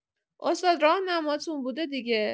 استاد راهنماتون بوده دیگه؟